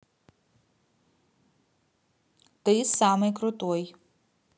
ты самый крутой